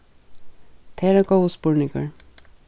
tað er ein góður spurningur